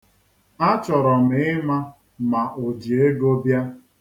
Achọrọ m ịma ma o ji ego bịa.